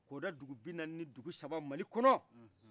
kɔda dugu binani ni saba mali kɔno